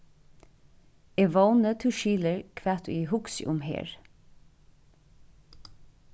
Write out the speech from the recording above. eg vóni tú skilir hvat ið eg hugsi um her